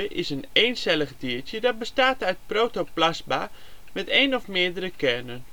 is een eencellig diertje dat bestaat uit protoplasma met één of meerdere kernen